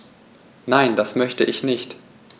Nein, das möchte ich nicht.